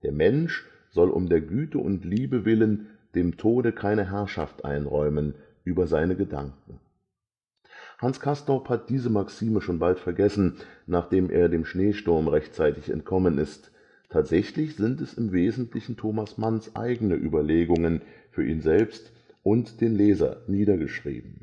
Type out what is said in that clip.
Mensch soll um der Güte und Liebe willen dem Tode keine Herrschaft einräumen über seine Gedanken. Hans Castorp hat diese Maxime schon bald vergessen, nachdem er dem Schneesturm rechtzeitig entkommen ist. Tatsächlich sind es im Wesentlichen Thomas Manns eigene Überlegungen, für ihn selbst und den Leser niedergeschrieben